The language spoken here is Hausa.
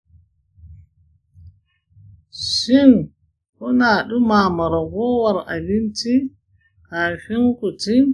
shin kuna dumama ragowar abinci kafin ku ci?